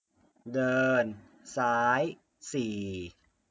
เดินซ้ายสี่